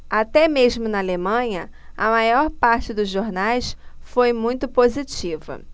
até mesmo na alemanha a maior parte dos jornais foi muito positiva